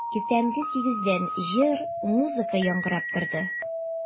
Иртәнге сигездән җыр, музыка яңгырап торды.